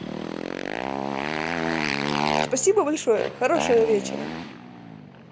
спасибо большое хорошего вечера